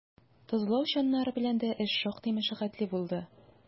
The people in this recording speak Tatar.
Тозлау чаннары белән дә эш шактый мәшәкатьле булды.